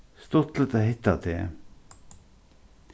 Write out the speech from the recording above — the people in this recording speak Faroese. stuttligt at hitta teg